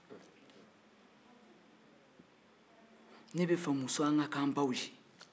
musow ne b'a fɛ an ka ke an baw ye